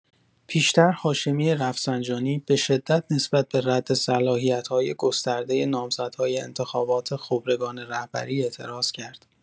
پیشتر هاشمی رفسنجانی، به‌شدت نسبت به رد صلاحیت‌های گسترده نامزدهای انتخابات خبرگان رهبری اعتراض کرد.